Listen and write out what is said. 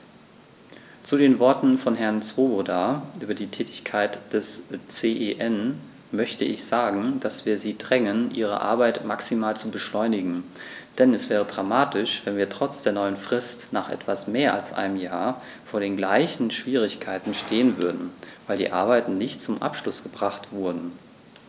Zu den Worten von Herrn Swoboda über die Tätigkeit des CEN möchte ich sagen, dass wir sie drängen, ihre Arbeit maximal zu beschleunigen, denn es wäre dramatisch, wenn wir trotz der neuen Frist nach etwas mehr als einem Jahr vor den gleichen Schwierigkeiten stehen würden, weil die Arbeiten nicht zum Abschluss gebracht wurden.